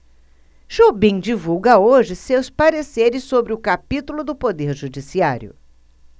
jobim divulga hoje seus pareceres sobre o capítulo do poder judiciário